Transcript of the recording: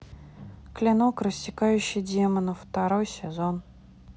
клинок рассекающий демонов второй сезон